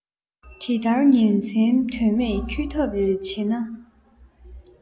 འདི ལྟར ཉིན མཚན དོན མེད འཁྱོལ ཐབས རེ བྱས ན